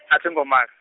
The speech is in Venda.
a thi ngo mas.